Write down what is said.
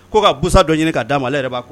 Ko ka busa dɔ ɲini k'a ma ale yɛrɛ b'a